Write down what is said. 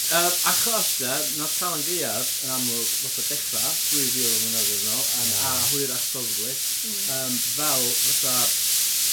Yym achos de nath Calan Gaeaf yn amlwg ddoth o dechra dwy fil o flynyddoedd yn ôl a'n a hwyrach probably ... Hmm. ...yym fel fatha